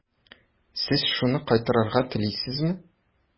Сез шуны кайтарырга телисезме?